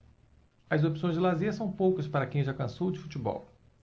as opções de lazer são poucas para quem já cansou de futebol